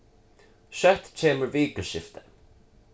skjótt kemur vikuskiftið